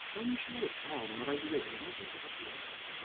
Sa i'n siwr, ond ma' raid i fi ddweud, maen nhw'n edrych tipyn bach yn tebyg.